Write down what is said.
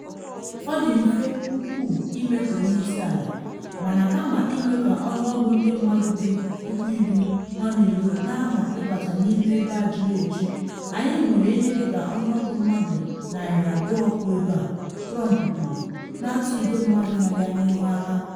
“Ọ dị mfe ukwuu ịme ka onye isi ala, mana kama ịme ka ọnụọgụ ndị mmadụ dị 10,000 nọ n’ilo na anwa ịbata n’ime ebe a juru eju, anyị nwere ihe dị ka ọnụọgụ mmadụ 200 kwụ ebe a, “Trump kwuru, na atụ igwe mmadụ nọ ya n’ihu aka.